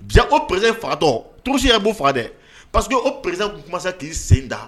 Jaa o perese fa dɔn tuurusi y'' faa dɛ pa queseke o perese kuma k'i sen ta